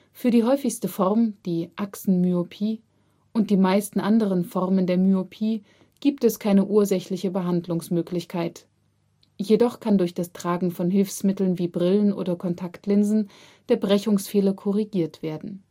Für die häufigste Form, die Achsenmyopie, und die meisten anderen Formen der Myopie gibt es keine ursächliche Behandlungsmöglichkeit, jedoch kann durch das Tragen von Hilfsmitteln wie Brillen oder Kontaktlinsen der Brechungsfehler korrigiert werden